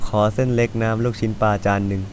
ขอเส้นเล็กน้ำลูกชิ้นปลาจานหนึ่ง